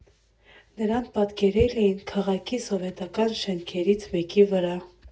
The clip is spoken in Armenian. Նրան պատկերել էին քաղաքի սովետական շենքերից մեկի վրա։